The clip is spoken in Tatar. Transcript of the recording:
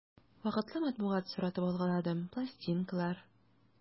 Вакытлы матбугат соратып алгаладым, пластинкалар...